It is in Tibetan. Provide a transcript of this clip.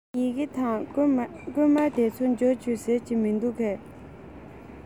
ངའི ཡི གེ དང བསྐུར མ དེ ཚོ འབྱོར བྱུང ཟེར གྱི མི འདུག གས